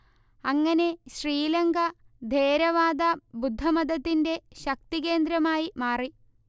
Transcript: അങ്ങനെ ശ്രീലങ്ക ഥേരവാദ ബുദ്ധമതത്തിന്റെ ശക്തികേന്ദ്രമായി മാറി